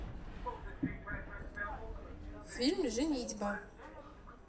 фильм женитьба